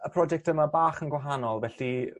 y project yma bach yn gwahanol felly